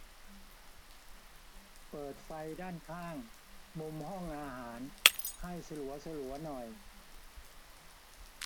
เปิดไฟด้านข้างมุมห้องอาหารให้สลัวสลัวหน่อย